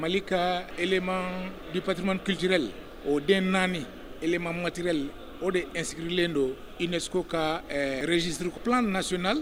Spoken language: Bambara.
Mali ka ema biptimani kijili o den naani ema mtili o de ɛsrilen don i deso ka zsiriurukuplan na so na